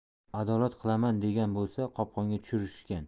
adolat qilaman degan bo'lsa qopqonga tushirishgan